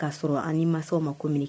'a sɔrɔ an ma sɔnw ma ko mini